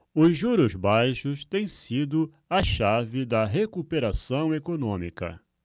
os juros baixos têm sido a chave da recuperação econômica